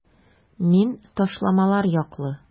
Мин ташламалар яклы.